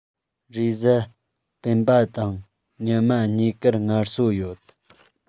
རེས གཟའ སྤེན པ དང ཉི མ གཉིས ཀར ངལ གསོ ཡོད